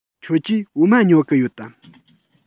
ཁྱོད ཀྱིས འོ མ ཉོ གི ཡོད དམ